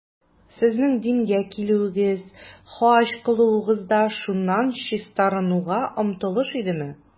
Сезнең дингә килүегез, хаҗ кылуыгыз да шуннан чистарынуга омтылыш идеме?